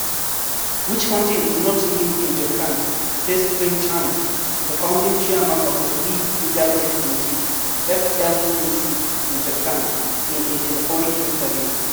Witch-hunting is not new in Jharkhand, says Prem Chand, the Founding Chairman of the Free Legal Aid Committee (FLAC) in Jharkhand, in a telephonic interview.